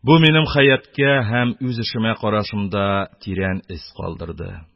Бу минем хәятка һәм үз эшемә карашымда тирән эз калдырды.